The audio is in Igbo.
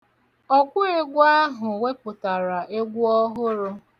Ọkụegwu ahụ wepụtara egwu ọhụrụ.